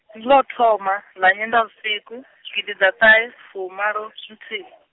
ndi ḽo u thoma, ḽa nyendavhusiku, gidiḓaṱahefumaḽonthihi.